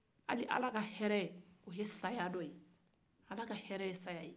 hali ala ka hɛrɛ o ye saya ye